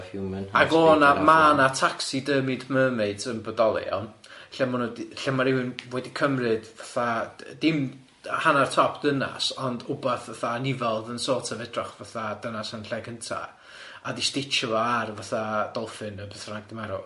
Ag o' na ma' na taxidermied mermaids yn bodoli iawn, lle ma' nhw di- lle ma' rywun wedi cymryd fatha d- dim hannar top dynas ond wbath fatha ni fel oedd yn sort of edrych fatha dynas yn y lle cynta a wedi stitchio fo ar fatha dolphin neu beth bynnag di marw.